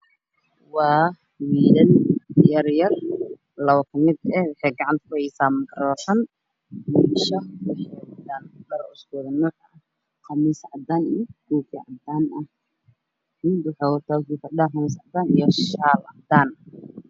Waa wiilal yaryar labo kamid ah waxay gacanta kuheysaa makaroofan waxay wataan dhar isku nuuc ah qamiis cadaan ah iyo koofi cadaan ah. Midna koofi cadaan ah iyo shaar cadaan.